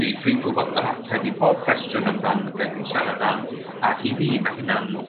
dwi dwi'n gwbod yr ateb i pob cwestiwn amdan be' dwi'n siarad am ac i fi ma' hynna'n